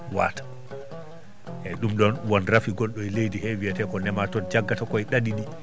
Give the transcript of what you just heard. waata eeyi ɗum ɗon won rafi gonɗo e leydi he wiyetee ko nématode jaggata ko e ɗaɗi ɗii